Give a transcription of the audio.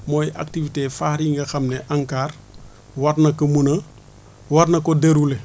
mooy activités phares yi nga xam ne ANCAR war na ko mun a war na ko dérouler